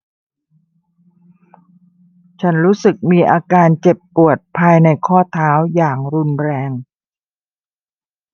ฉันรู้สึกมีอาการเจ็บปวดภายในข้อเท้าอย่างรุนแรง